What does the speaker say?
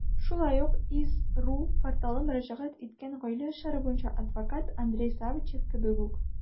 Шулай ук iz.ru порталы мөрәҗәгать иткән гаилә эшләре буенча адвокат Андрей Сарычев кебек үк.